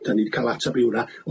Yy 'dan ni 'di ca'l atab i hwnna.